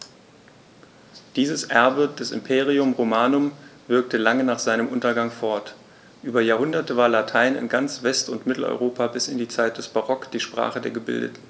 Dieses Erbe des Imperium Romanum wirkte lange nach seinem Untergang fort: Über Jahrhunderte war Latein in ganz West- und Mitteleuropa bis in die Zeit des Barock die Sprache der Gebildeten.